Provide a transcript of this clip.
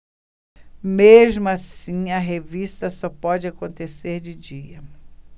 mesmo assim a revista só pode acontecer de dia